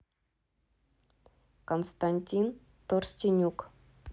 константин торстинюк